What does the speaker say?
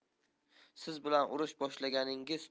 siz bilan urush boshlagan iningiz